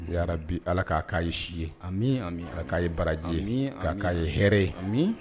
Ne'a bi ala k'a'a ye si ye a ala k'a ye barajɛ ni k'a'a ye hɛrɛ ye min